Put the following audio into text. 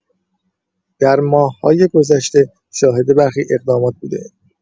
در ماه‌های گذشته شاهد برخی اقدامات بوده‌ایم.